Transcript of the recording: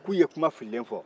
k'u ye kuma fililen fɔ